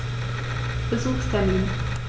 Besuchstermin